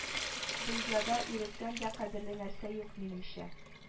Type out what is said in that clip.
Дөньяда иректән дә кадерле нәрсә юк, минемчә